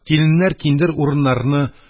Киленнәр киндер урыннарыны